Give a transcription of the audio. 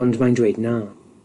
ond mae'n dweud na.